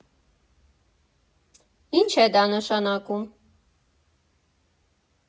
Ի՞նչ է դա նշանակում։